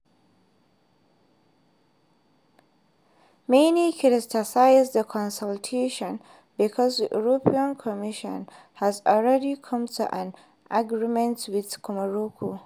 Many criticized the consultation because the European Commission had already come to an agreement with Morocco.